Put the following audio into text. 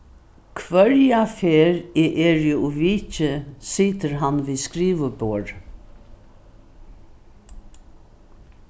hvørja ferð eg eri og vitji situr hann við skriviborðið